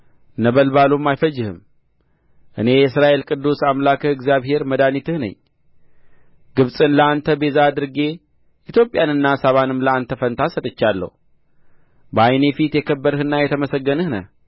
ነበልባሉም አይፈጅህም እኔ የእስራኤል ቅዱስ አምላክህ እግዚአብሔር መድኃኒትህ ነኝ ግብጽን ለአንተ ቤዛ አድርጌ ኢትዮጵያንና ሳባንም ለአንተ ፋንታ ሰጥቻለሁ በዓይኔ ፊት የከበርህና የተመሰገንህ ነህና